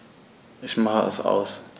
Ich mache es aus.